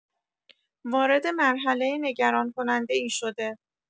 وارد مرحله نگران‌کننده‌ای شده